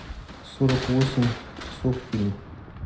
сорок восемь часов фильм